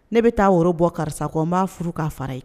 Ne bɛ taa woro bɔ karisa kɔ n b'a furu ka fara yen